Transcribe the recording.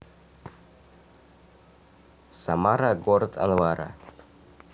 самара город анвара